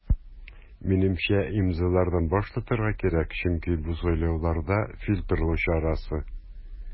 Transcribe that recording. Минемчә, имзалардан баш тартырга кирәк, чөнки бу сайлауларда фильтрлау чарасы.